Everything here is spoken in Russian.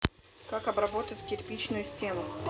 как обработать кирпичную стену